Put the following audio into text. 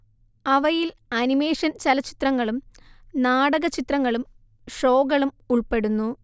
അവയിൽ അനിമേഷൻ ചലചിത്രങ്ങളും നാടക ചിത്രങ്ങളും ഷോകളും ഉൾപ്പെടുന്നു